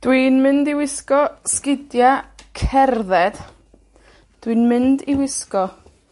Dwi'n mynd i wisgo 'sgidia cerdded. Dwi'n mynd i wisgo